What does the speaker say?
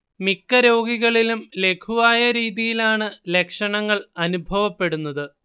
മിക്ക രോഗികളിലും ലഘുവായ രീതിയിലാണ് ലക്ഷണങ്ങൾ അനുഭവപ്പെടുന്നത്